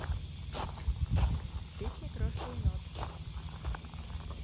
песня крошка енот